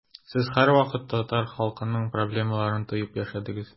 Сез һәрвакыт татар халкының проблемаларын тоеп яшәдегез.